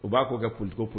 U b'a ko kɛ politique ko pol